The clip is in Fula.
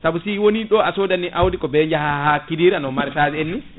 saabu si woni ɗo a soodani awdi ko be jaaha ɗo ha Kidira no maréchage en ni